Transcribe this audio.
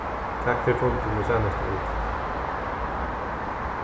takk fyri fundin í seinastu viku